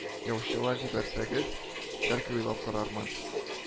Яучылар җибәрсәгез, бәлки уйлап карармын…